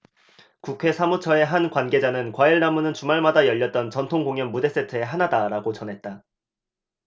국회 사무처의 한 관계자는 과일나무는 주말마다 열렸던 전통공연 무대세트의 하나다라고 전했다